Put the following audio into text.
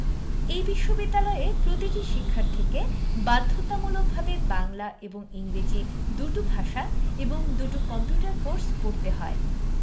এই বিশ্ববিদ্যালয়ে প্রতিটি শিক্ষার্থীকে বাধ্যতামূলকভাবে বাংলা এবং ইংরেজি দুটো ভাষা এবং দুটো কম্পিউটার কোর্স পড়তে হয়